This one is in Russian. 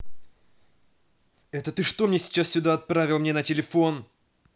это ты что мне сейчас сюда отправил мне на телефон